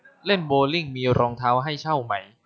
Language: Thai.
เล่นโบว์ลิ่งมีรองเท้าให้เช่าไหม